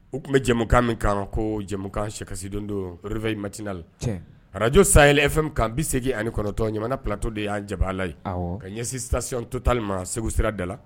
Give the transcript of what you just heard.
U tun bɛ jɛmukan min kan ko jɛmukan sikasidon don py matinali arajo sayay e fɛn kan bɛ segin ani kɔnɔntɔn jamana patɔ de y'an jabaala ye ka ɲɛsinsision totali ma segu sira da la